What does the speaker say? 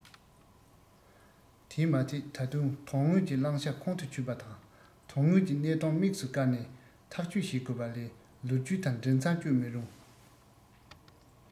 དེས མ ཚད ད དུང དོན དངོས ཀྱི བླང བྱ ཁོང དུ ཆུད པ དང དོན དངོས ཀྱི གནད དོན དམིགས སུ བཀར ནས ཐག གཅོད བྱེད དགོས པ ལས ལོ རྒྱུས དང འབྲེལ མཚམས གཅོད མི རུང